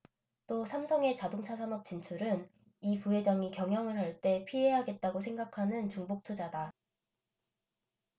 또 삼성의 자동차 산업 진출은 이 부회장이 경영을 할 때 피해야겠다고 생각하는 중복 투자다